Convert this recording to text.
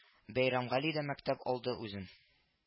Бәйрәмгали дә мәктәп алды үзен